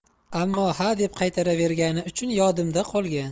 ammo hadeb qaytaravergani uchun yodimda qolgan